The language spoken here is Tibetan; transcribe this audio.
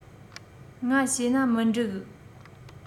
ང བྱས ན མི འགྲིག